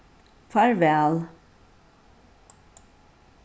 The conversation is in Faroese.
farvæl